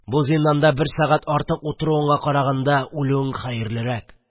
Бу зинданда бер сәгать артык утыруга караганда үлүең хәерлерәк!